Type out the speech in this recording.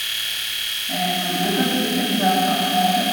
Men først fikk jeg besøk av kjæresten.